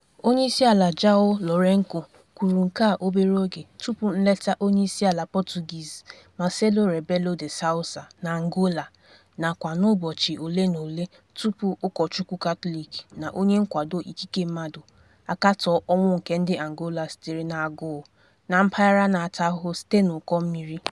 Onyeisiala João Lourenço kwuru nke a obere oge tupu nleta Onyeisiala Portuguese Marcelo Rebelo de Sousa n'Angola, nakwa n'ụbọchị ole na ole tupu Ụkọchukwu Katọlik na onye nkwado ikike mmadụ akatọọ ọnwụ nke ndị Angola sitere n'agụụ na mpaghara na-ata ahụhụ site n'ụkọmmiri.